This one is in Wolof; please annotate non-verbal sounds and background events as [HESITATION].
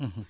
[HESITATION] [HESITATION]